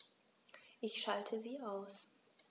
Ich schalte sie aus.